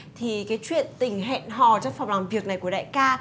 thì cái chuyện tình hẹn hò trong phòng làm việc này của đại ca